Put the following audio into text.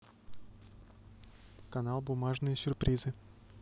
канал бумажные сюрпризы